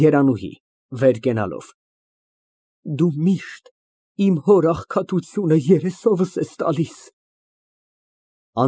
ԵՐԱՆՈՒՀԻ ֊ (Վեր կենալով) Դու միշտ իմ հոր աղքատությունը երեսովս ես տալիս։